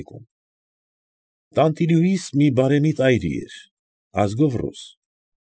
Մեկում։ Տանտիրուհիս մի բարեսիտ այրի էր, ազգով ռուս։